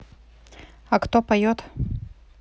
а кто поет